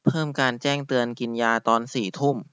เพิ่มการแจ้งเตือนกินยาตอนสี่ทุ่ม